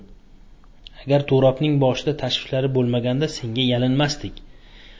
gar turobning boshida tashvishlari bo'lmaganida senga yalinmasdik